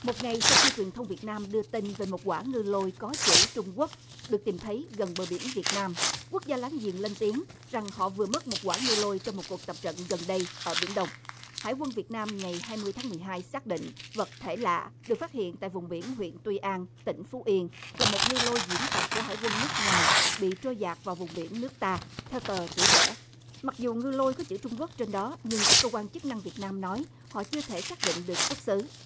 một ngày sau khi truyền thông việt nam đưa tin về một quả ngư lôi có chữ trung quốc được tìm thấy gần bờ biển việt nam quốc gia láng giềng lên tiếng rằng họ vừa mất một quả ngư lôi trong một cuộc tập trận gần đây ở biển đông hải quân việt nam ngày hai mươi tháng mười hai xác định vật thể lạ được phát hiện tại vùng biển huyện tuy an tỉnh phú yên là một ngư lôi diễn tập của hải quân nước ngoài bị trôi dạt vào vùng biển nước ta theo tờ tuổi trẻ mặc dù ngư lôi có chữ trung quốc trên đó nhưng các cơ quan chức năng việt nam nói họ chưa thể xác định được xuất xứ